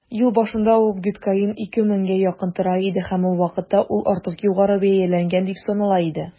Ел башында ук биткоин 2 меңгә якын тора иде һәм ул вакытта ук артык югары бәяләнгән дип санала иде.